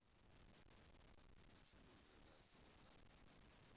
почему извергаются вулканы